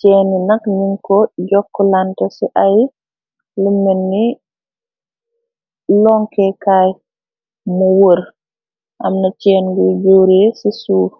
cenni nak niñ ko jokk lant ci ay lu menni lonkekaay, mu wër amna cenn guy jóore ci suuf.